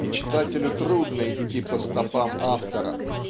И читателю трудно идти по стопам автора